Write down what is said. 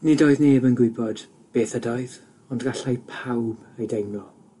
Nid oedd neb yn gwybod beth ydoedd ond gallai pawb ei deimlo.